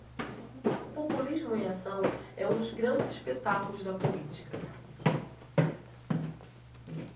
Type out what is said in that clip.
o populismo em ação é um dos grandes espetáculos da política